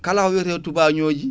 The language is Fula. kala ko wiyete tubañoji